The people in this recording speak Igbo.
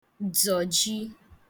tzọji